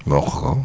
ma wax ko ko